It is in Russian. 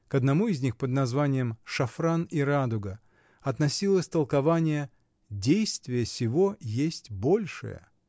К одному из них, под названием "Шафран и радуга", относилось толкование: "Действие сего есть большее"